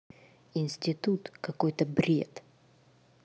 институт какой то бред